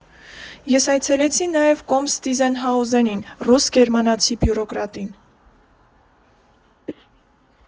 Ես այցելեցի նաև նահանգապետ կոմս Տիզենհաուզենին, ճշմարիտ ռուս֊գերմանացի բյուրոկրատին։